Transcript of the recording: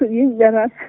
*